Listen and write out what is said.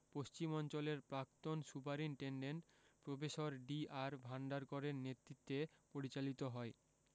পশ্চিম অঞ্চলের প্রাক্তন superintendent professor D R ভান্ডারকরের নেতৃত্বে পরিচালিত হয়